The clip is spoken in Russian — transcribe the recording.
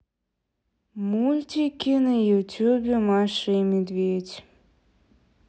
мультики на ютубе маша и медведь